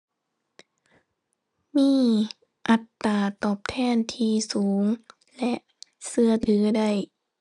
มีอัตราตอบแทนที่สูงและเชื่อถือได้